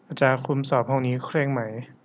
อาจารย์คุมสอบห้องนี้เคร่งไหม